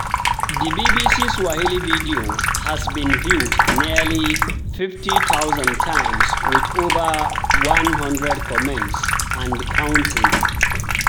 The BBC Swahili video has been viewed nearly 50,000 times with over 100 comments and counting.